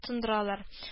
Тондыралар